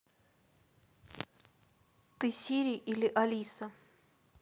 ты сири или алиса